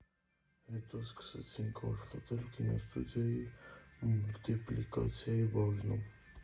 Հետո սկսեցինք աշխատել կինոստուդիայի մուլտիպլիկացիայի բաժնում։